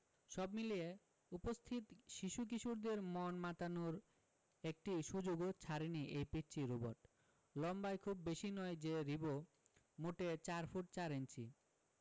সব মিলিয়ে উপস্থিত শিশু কিশোরদের মন মাতানোর একটি সুযোগও ছাড়েনি এই পিচ্চি রোবট লম্বায় খুব বেশি নয় যে রিবো মোটে ৪ ফুট ৪ ইঞ্চি